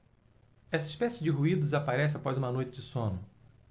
esta espécie de ruído desaparece após uma noite de sono